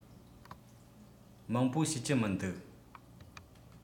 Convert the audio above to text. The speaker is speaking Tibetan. མང པོ ཤེས ཀྱི མི འདུག